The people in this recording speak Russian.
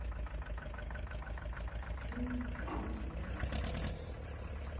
фильм похороните меня за плинтусом